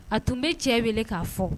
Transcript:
A tun bɛ cɛ wele k'a fɔ